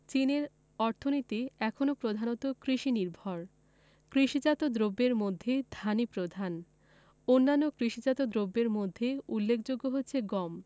চীনের অর্থনীতি এখনো প্রধানত কৃষিনির্ভর কৃষিজাত দ্রব্যের মধ্যে ধানই প্রধান অন্যান্য কৃষিজাত দ্রব্যের মধ্যে উল্লেখযোগ্য হচ্ছে গম